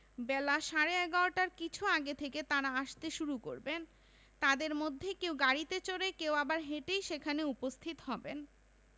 বেলা সাড়ে ১১টার কিছু আগে থেকে তাঁরা আসতে শুরু করবেন তাঁদের মধ্যে কেউ গাড়িতে চড়ে কেউ আবার হেঁটেই সেখানে উপস্থিত হবেন